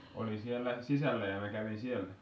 oli siellä sisällä ja minä kävin siellä